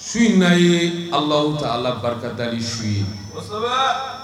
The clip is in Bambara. Su in' ye ala ta ala barika da ni su ye